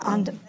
ond